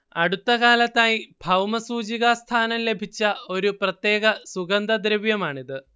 അടുത്തകാലത്തായി ഭൗമസൂചിക സ്ഥാനം ലഭിച്ച ഒരു പ്രത്യേക സുഗന്ധദ്രവ്യമാണിത്